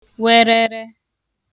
werere